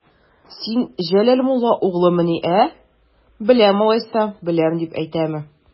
Син Җәләл мулла угълымыни, ә, беләм алайса, беләм дип әйтәме?